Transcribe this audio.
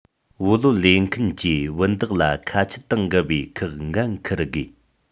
བུ ལོན ལེན མཁན གྱིས བུན བདག ལ ཁ ཆད དང འགལ བའི ཁག འགན འཁུར དགོས